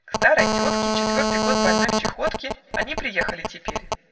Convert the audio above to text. К старой тетке, Четвертый год больной в чахотке, Они приехали теперь.